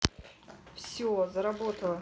все заработало